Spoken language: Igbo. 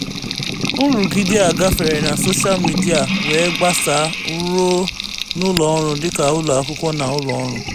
Nrụgide a gafere na soshal midịa, wee gbasaa ruo n'ụlọọrụ dịka ụlọakwụkwọ na ụlọọrụ.